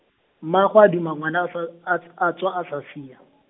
mmaagwe a duma ngwana a sa-, a ts-, a tswa a sa sia.